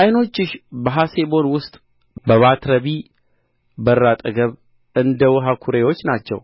ዓይኖችሽ በሐሴቦን ውስጥ በባትረቢ በር አጠገብ እንደ ውኃ ኵሬዎች ናቸው